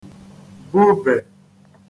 bubè